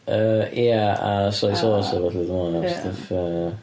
Yy, ie, a soy sauce a ballu dwi'n meddwl a stwff yy...